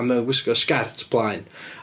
A mae o'n gwisgo sgerts blaen .